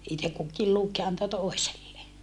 itse kukin luki ja antoi toiselle